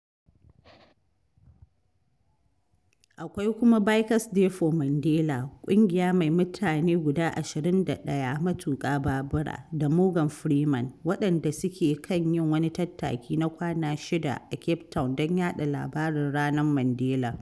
Akwai kuma “Bikers for Mandela Day” – ƙungiya mai mutane guda 21 matuƙa babura (da Morgan Freeman), waɗanda suke kan yin wani tattaki na kwana shida a Cape Town don yaɗa labarin Ranar Mandela.